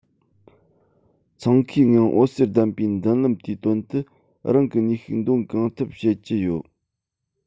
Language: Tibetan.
འཚང ཁའི ངང འོད ཟེར ལྡན པའི མདུན ལམ དེའི དོན དུ རང གི ནུས ཤུགས འདོན གང ཐུབ བྱེད ཀྱི ཡོད